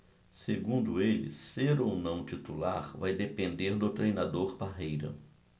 segundo ele ser ou não titular vai depender do treinador parreira